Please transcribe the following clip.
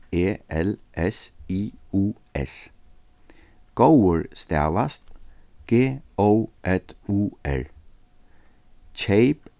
e l s i u s góður stavast g ó ð u r keyp